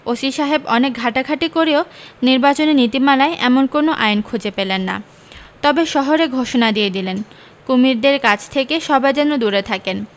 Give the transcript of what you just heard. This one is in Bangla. ওসি সাহেব অনেক ঘাঁটাঘাটি করেও নির্বাচনী নীতিমালায় এমন কোন আইন খুঁজে পেলেন না তবে শহরে ঘোষণা দিয়ে দিলেন কুমীরদের কাছ থেকে সবাই যেন দূরে থাকেন